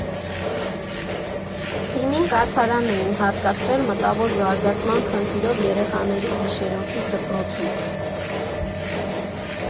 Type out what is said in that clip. Թիմին կացարան էին հատկացրել մտավոր զարգացման խնդիրներով երեխաների գիշերօթիկ դպրոցում։